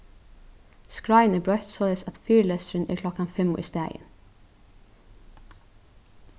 skráin er broytt soleiðis at fyrilesturin er klokkan fimm í staðin